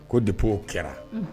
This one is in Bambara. Ko deo kɛra